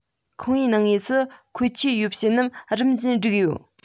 ཁང པའི ནང ངོས སུ མཁོ ཆེའི ཡོ བྱད རྣམས རིམ བཞིན བསྒྲིགས ཡོད